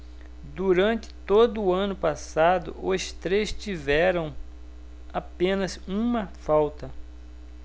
durante todo o ano passado os três tiveram apenas uma falta